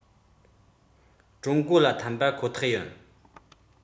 ཀྲུང གོ ལ འཐམས པ ཁོ ཐག ཡིན